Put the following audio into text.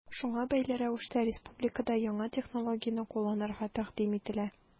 Шуңа бәйле рәвештә республикада яңа технологияне кулланырга тәкъдим ителә.